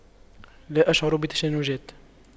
لا أشعر بتشنجات